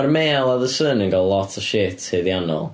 Ma'r Mail a The Sun yn cael lot o shit haeddiannol.